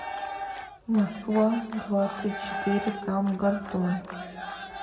москва двадцать четыре там гордон